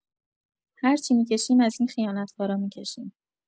هرچی می‌کشیم از این خیانتکارا می‌کشیم!